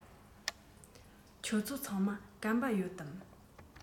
ཁྱོད ཚོ ཚང མར སྐམ པ ཡོད དམ